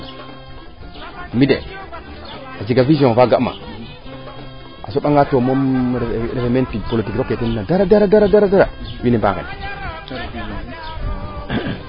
mi de ajega vision faa ga ma a soɓa nga moom refee meen tig politique roke teen no dara dara dara dara wiin we ma ngen